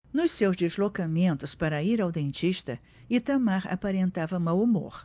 nos seus deslocamentos para ir ao dentista itamar aparentava mau humor